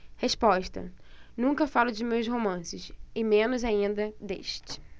resposta nunca falo de meus romances e menos ainda deste